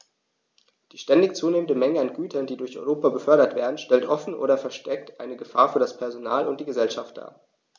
Die ständig zunehmende Menge an Gütern, die durch Europa befördert werden, stellt offen oder versteckt eine Gefahr für das Personal und die Gesellschaft dar.